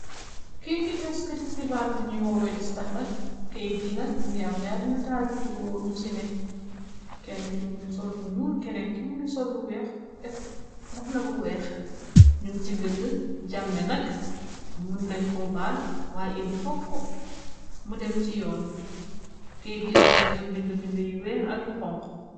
keyt i tës kati xibaar buñuy wowwee de stàndard keyt gi nag mu ngi am ñaarina taali ku góor ñu sine kenn ki mungi sollu ñuul kenneen ki mungi sollu weex def moxna bu weex num ci bind jàmme nak mun nañ ko baal waaye in fokk mu dem ci yoon keyt gi nag mu ngi am bind bind yu weex ak yu xonx